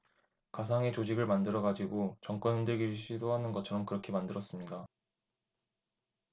가상의 조직을 만들어 가지고 정권 흔들기를 시도하는 것처럼 그렇게 만들었습니다